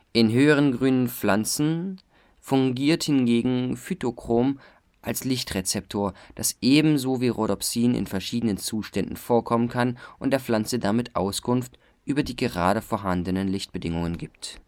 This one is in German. In höheren grünen Pflanzen fungiert hingegen Phytochrom als Lichtrezeptor, das ebenso wie Rhodopsin in verschiedenen Zuständen vorkommen kann und der Pflanze damit Auskunft über die gerade vorhandenen Lichtbedingungen gibt